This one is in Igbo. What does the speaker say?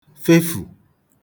New dialectal variation